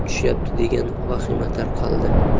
tushyapti degan vahima tarqaldi